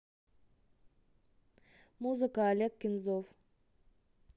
музыка олег кензов